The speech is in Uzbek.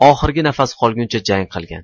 oxirgi nafasi qolguncha jang qilgan